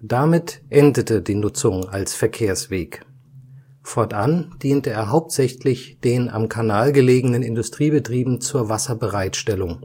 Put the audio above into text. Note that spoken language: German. Damit endete die Nutzung als Verkehrsweg. Fortan diente er hauptsächlich den am Kanal gelegenen Industriebetrieben zur Wasserbereitstellung.